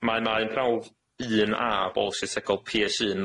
mae maen prawf un a bolisi stegol Pi Es un